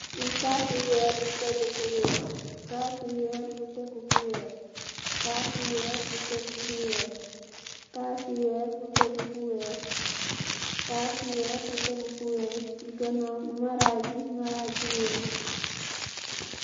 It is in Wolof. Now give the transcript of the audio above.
Kassi wèèr bu tégu fu wèèx ci ganaw maraj bi maraj bu wèèx.